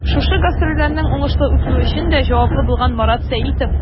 Шушы гастрольләрнең уңышлы үтүе өчен дә җаваплы булган Марат Сәитов.